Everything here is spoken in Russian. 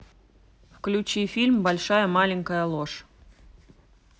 включи фильм большая маленькая ложь